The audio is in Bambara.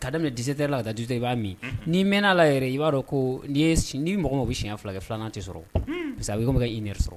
Ka daminɛ 17 heures la ka taa 18 heures la i b'a min n'i mɛn na la yɛrɛ i b'a dɔn ko ni mɔgɔ mɔgɔ bɛ siyɛn 2 kɛ 2 nan tɛ sɔrɔ parce que a bɛ kɛ i n'a fɔ i ka 1 heure sɔrɔ